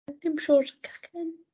Dim siŵr. Cacen?